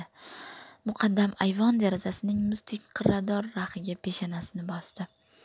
muqaddam ayvon derazasining muzdek qirrador raxiga peshanasini bosdi